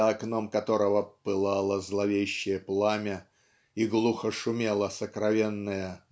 за окном которого "пылало зловещее пламя и глухо шумела сокровенная